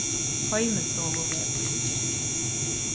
heimistovuvegur